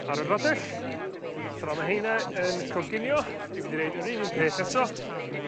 ar y radell a thra ma' heina yn coginio dwi mynd i neud yr un un peth eto